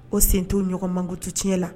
Ko sen' ɲɔgɔn mang tu tiɲɛ la